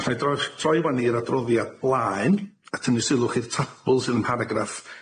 Os wna i dro- troi wan i'r adroddiad blaun a tynnu sylw chi i'r tabyl sy ym mharagraff